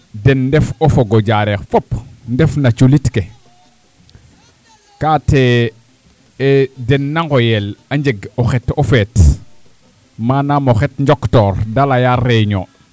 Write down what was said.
den ndef o fog o Diarekh fop ndef na culit ke kaate den na nqoyel a njeg o xet o feet manam o xet njoktoor da laya reunion